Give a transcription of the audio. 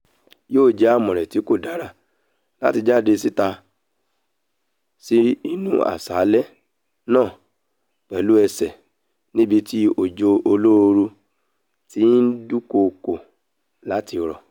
Yóò jẹ́ àmọ̀ràn tí kò dára láti jáde síta sí inú aṣálẹ̀ náà pẹ̀lú ẹsẹ̀ níbi tí òjò olóoru tí ń dúnkóókò láti rọ̀.